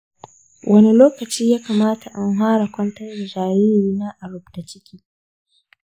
wani lokaci ya kamata in fara kwantar da jaririna a rubda ciki ?